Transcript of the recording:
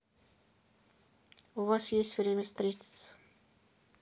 у вас есть время встретиться